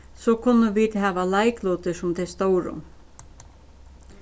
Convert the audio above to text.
so kunnu vit hava leiklutir sum tey stóru